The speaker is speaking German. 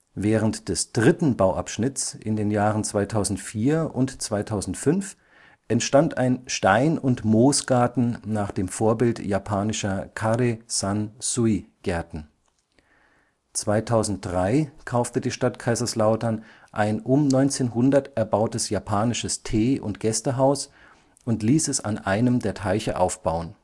Während des dritten Bauabschnitts in den Jahren 2004 und 2005 entstand ein Stein - und Moosgarten nach dem Vorbild japanischer Kare-san-sui-Gärten. 2003 kaufte die Stadt Kaiserslautern ein um 1900 erbautes japanisches Tee - und Gästehaus und ließ es an einem der Teiche aufbauen